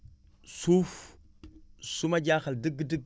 suuf su ma jaaxal dëgg-dëgg